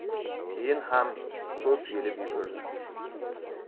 keyin ham ko'p yelib yugurdi